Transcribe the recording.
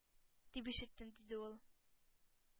Дип ишеттем, – диде ул.